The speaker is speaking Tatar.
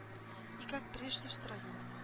И как прежде в строю